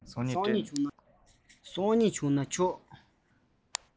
སང ཉིན བྱུང ན འགྲིག ག